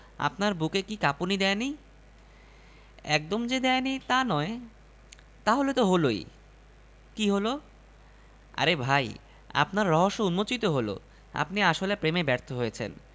হা হা হা এই কথা আসলে হয়েছে কি আপনি যেমন গুম হয়ে গেছেন আমিও গুম হয়ে গেছি আপনার মতো আমারও রোদে ছায়া পড়ে না বলেন কী আপনি গুম হলেন কীভাবে